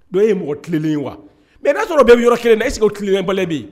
Don e ye mɔgɔ tileli wa mɛ n'a sɔrɔ bɛɛ bɛ yɔrɔ kelen nase kile bala bɛ yen